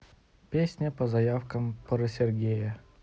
песня по заявкам про сергея